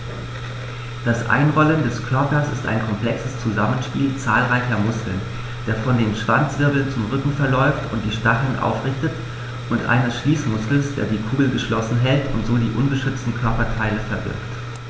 Das Einrollen des Körpers ist ein komplexes Zusammenspiel zahlreicher Muskeln, der von den Schwanzwirbeln zum Rücken verläuft und die Stacheln aufrichtet, und eines Schließmuskels, der die Kugel geschlossen hält und so die ungeschützten Körperteile verbirgt.